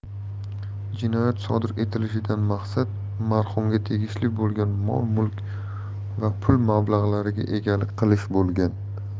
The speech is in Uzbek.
jinoyat sodir etilishidan maqsad marhumga tegishli bo'lgan mol mulk va pul mablag'lariga egalik qilish bo'lgan